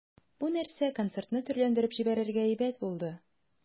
Бу нәрсә концертны төрләндереп җибәрергә әйбәт булды.